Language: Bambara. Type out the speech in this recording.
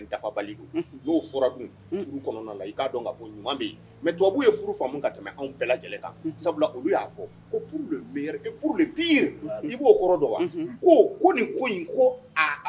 Mɛbabu furu ka tɛmɛ anw bɛɛ sabula olu y'a fɔ ko n'i b'o dɔn wa ko ko nin ko ko